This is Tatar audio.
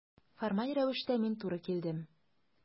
Формаль рәвештә мин туры килдем.